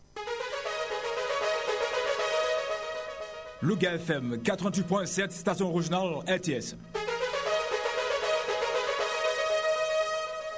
Louga FM 88 point 7 station originale RTS